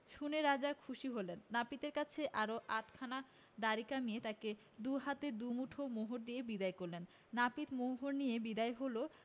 শুনে রাজা খুশি হলেন নাপিতের কাছে আর আধখানা দাড়ি কামিয়ে তাকে দু হাতে দু মুঠো মোহর দিয়ে বিদায় করলেন নাপিত মোহর নিয়ে বিদায় হল